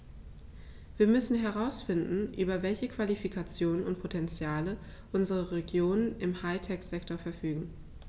Wir müssen herausfinden, über welche Qualifikationen und Potentiale unsere Regionen im High-Tech-Sektor verfügen.